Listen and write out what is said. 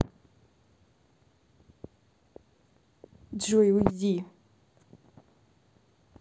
джой уйди